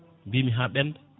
mbimi ha ɓenda